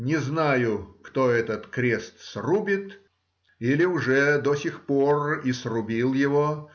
Не знаю, кто этот крест срубит или уже до сих пор и срубил его